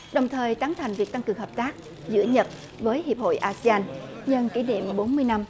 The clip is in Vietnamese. đồng thời tán thành việc tăng cường hợp tác giữa nhật với hiệp hội a si an nhân kỷ niệm bốn mươi năm